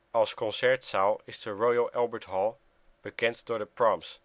Als concertzaal is de Royal Albert Hall bekend door de Proms. De